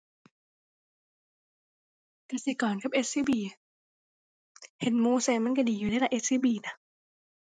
กสิกรกับ SCB เห็นหมู่ใช้มันใช้ดีอยู่เดะล่ะ SCB น่ะ